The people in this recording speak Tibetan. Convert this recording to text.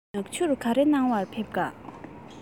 ནག ཆུར ག རེ གནང བར ཕེབས ཀ